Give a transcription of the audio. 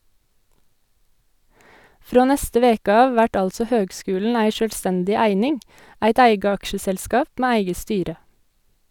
Frå neste veke av vert altså høgskulen ei sjølvstendig eining, eit eige aksjeselskap med eige styre.